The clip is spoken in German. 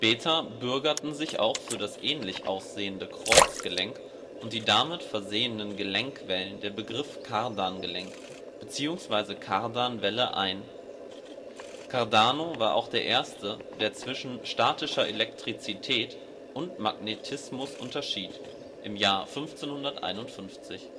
Später bürgerten sich auch für das ähnlich aussehende Kreuzgelenk und die damit versehenen Gelenkwellen der Begriff Kardangelenk bzw. Kardanwelle ein. Cardano war auch der erste, der zwischen statischer Elektrizität und Magnetismus unterschied - im Jahre 1551